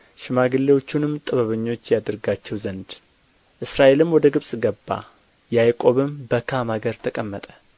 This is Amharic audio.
ሽማግሌዎቹንም ጥበበኞች ያደርጋቸው ዘንድ እስራኤልም ወደ ግብጽ ገባ ያዕቆብም በካም አገር ተቀመጠ